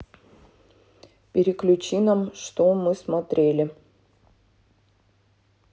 переключи нам что мы смотрели